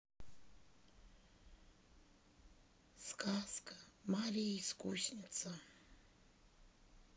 сказка марья искусница